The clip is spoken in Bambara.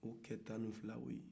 o cɛ tan ni fila olu